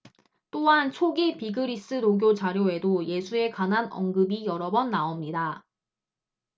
또한 초기 비그리스도교 자료에도 예수에 관한 언급이 여러 번 나옵니다